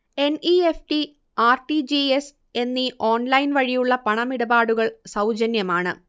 N. E. F. T, R. T. G. S എന്നീ ഓൺലൈൻവഴിയുള്ള പണമിടപാടുകൾ സൗജന്യമാണ്